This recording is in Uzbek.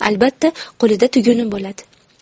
albatta qo'lida tuguni bo'ladi